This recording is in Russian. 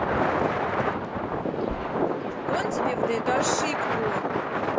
он тебе выдает ошибку